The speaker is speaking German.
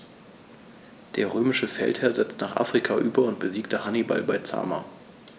Der römische Feldherr setzte nach Afrika über und besiegte Hannibal bei Zama.